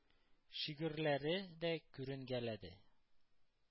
Шигырьләре дә күренгәләде.